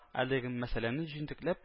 Әлеге мәсьәләне җентекләп